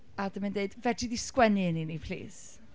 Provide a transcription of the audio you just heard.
A dyma hi'n deud, fedri di sgwennu un i ni, plîs?